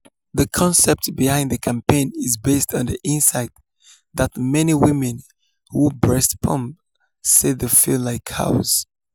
The concept behind the campaign is based on the insight that many women who breast-pump say they feel like cows.